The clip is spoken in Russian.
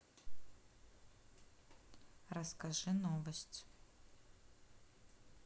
расскажи новость